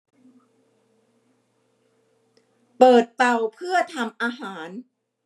เปิดเตาเพื่อทำอาหาร